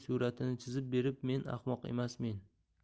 suratini chizib berib men ahmoq emasmen